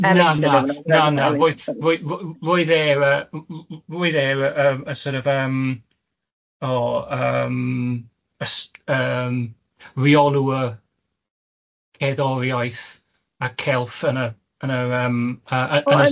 Na, na, na, na, roedd- roedd- roedd e'r yy w- w- roedd e'r yy y sort of yym o yym ysg- yym reolwr cerddoriaeth a celff yn y yn yr yym yy yn y